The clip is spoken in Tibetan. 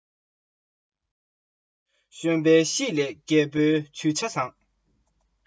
གཞོན པའི ཤེད ལས རྒད པོའི ཇུས བྱ བཟང